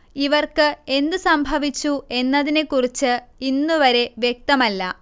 ഇവർക്ക് എന്തു സംഭവിച്ചു എന്നതിനെക്കുറിച്ച് ഇന്നുവരെ വ്യക്തമല്ല